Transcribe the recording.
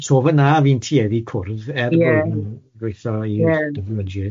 So fanna fi'n tueddu i cwrdd er bod nw'n gweithio i'r... Ie...